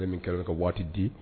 Ne min kɛra ka waati di